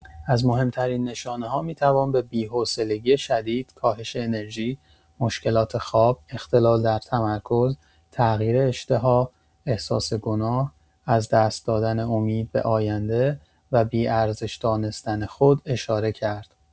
از مهم‌ترین نشانه‌ها می‌توان به بی‌حوصلگی شدید، کاهش انرژی، مشکلات خواب، اختلال در تمرکز، تغییر اشتها، احساس گناه، از دست دادن امید به آینده و بی‌ارزش دانستن خود اشاره کرد.